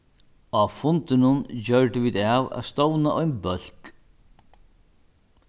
á fundinum gjørdu vit av at stovna ein bólk